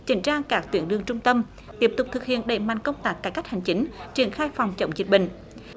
chỉnh trang các tuyến đường trung tâm tiếp tục thực hiện đẩy mạnh công tác cải cách hành chính triển khai phòng chống dịch bệnh